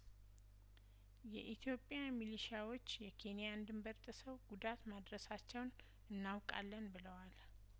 የኢትዮጵያ ሚሊሺያዎች የኬንያን ድንበር ጥሰው ጉዳት ማድረሳቸውን እናውቃለን ብለዋል